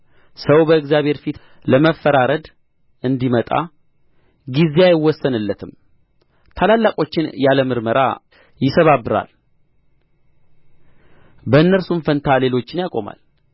ሰው በእግዚአብሔር ፊት ለመፈራረድ እንዲመጣ ጊዜ አይወሰንለትም ታላላቆችን ያለ ምርመራ ይሰባብራል በእነርሱም ፋንታ ሌሎችን ያቆማል